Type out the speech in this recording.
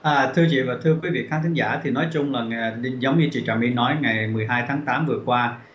à thưa chị thưa quý vị khán thính giả thì nói chung là nghề định giống như trà my nói ngày mười hai tháng tám vừa qua